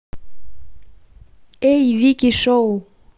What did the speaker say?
эй вики шоу